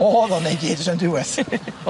O o'dd 'sim diwedd.